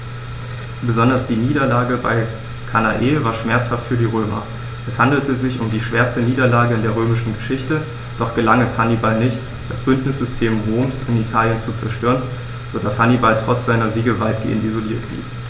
Besonders die Niederlage bei Cannae war schmerzhaft für die Römer: Es handelte sich um die schwerste Niederlage in der römischen Geschichte, doch gelang es Hannibal nicht, das Bündnissystem Roms in Italien zu zerstören, sodass Hannibal trotz seiner Siege weitgehend isoliert blieb.